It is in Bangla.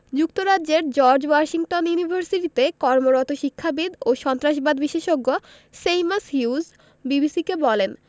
যুক্তরাজ্যের জর্জ ওয়াশিংটন ইউনিভার্সিটিতে কর্মরত শিক্ষাবিদ ও সন্ত্রাসবাদ বিশেষজ্ঞ সেইমাস হিউজ বিবিসিকে বলেন